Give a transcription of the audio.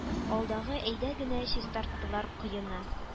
Алдагы әйдә генә чистарттылар коены